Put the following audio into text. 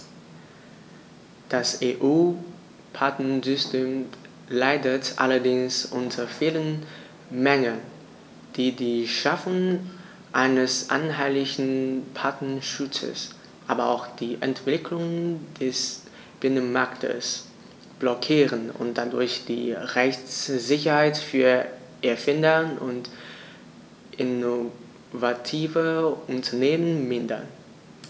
Das EU-Patentsystem leidet allerdings unter vielen Mängeln, die die Schaffung eines einheitlichen Patentschutzes, aber auch die Entwicklung des Binnenmarktes blockieren und dadurch die Rechtssicherheit für Erfinder und innovative Unternehmen mindern.